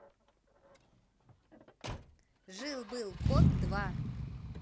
жил был кот два